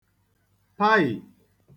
paị̀